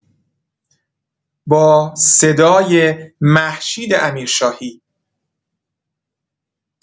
با صدای مهشید امیرشاهی